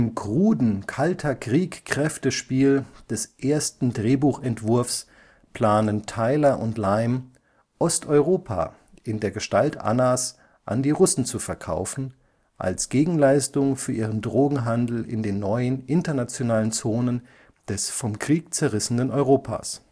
kruden Kalter-Krieg-Kräftespiel des ersten Drehbuchentwurfs planen Tyler und Lime, Osteuropa (in der Gestalt Annas) an die Russen zu verkaufen, als Gegenleistung für ihren Drogenhandel in den neuen internationalen Zonen des vom Krieg zerrissenen Europas